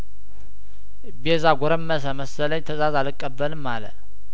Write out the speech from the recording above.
ቤዛ ጐረመሰ መሰለኝ ትእዛዝ አልቀበልም አለ